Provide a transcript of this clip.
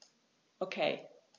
Okay.